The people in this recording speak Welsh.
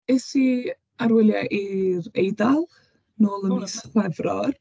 Es i ar wyliau i'r Eidal nôl yn mis Chwefror.